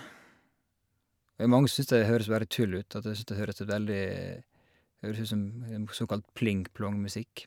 Mange syns det høres bare tull ut, at de syns det høres det veldig høres ut som såkalt pling-plong-musikk.